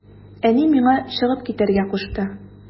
Әни миңа чыгып китәргә кушты.